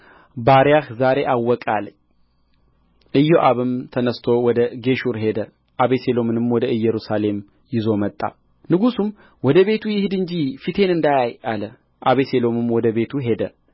ባሪያህ ዛሬ አወቀ አለ ኢዮአብም ተነሥቶ ወደ ጌሹር ሄደ አቤሴሎምንም ወደ ኢየሩሳሌም ይዞ መጣ ንጉሡም ወደ ቤቱ ይሂድ እንጂ ፊቴን እንዳያይ አለ አቤሴሎምም ወደ ቤቱ ሄደ